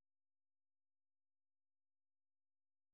супер крылья несси